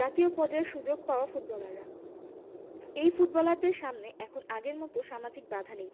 জাতীয় পর্যায়ে সুযোগ পাওয়া ফুটবলাররা এই ফুটবলারদের সামনে এখন আগের মতো সামাজিক বাধা নেই